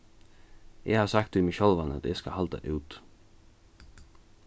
eg havi sagt við meg sjálvan at eg skal halda út